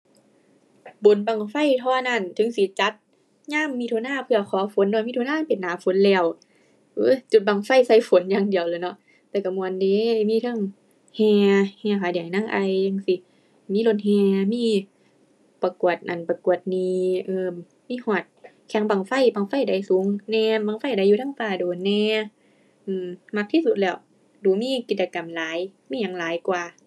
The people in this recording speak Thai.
บุญบั้งไฟเท่านั้นถึงสิจัด ยามมิถุนาเพื่อขอฝนด้วย มิถุนาเป็นหน้าฝนแล้ว เว้ย จุดบั้งไฟใส่ฝนอย่างเดียวล่ะเนาะ แต่ก็ม่วนดี มีเทิงแห่ แห่ผาแดงนางไอ่จั่งซี้ มีรถแห่ มี ประกวดนั้นประกวดนี้ เอิ่ม มีฮอด แข่งบั้งไฟ บั้งไฟใดสูงแหน่ บั้งไฟใดอยู่เทิงฟ้าโดนแหน่ อือ มักที่สุดแล้ว ดูมีกิจกรรมหลาย มีหยังหลายกว่า